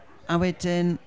A wedyn...